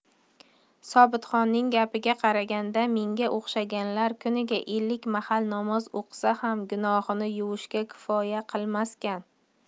sobitxonning gapiga qaraganda menga o'xshaganlar kuniga ellik mahal namoz o'qisa ham gunohini yuvishga kifoya qilmaskan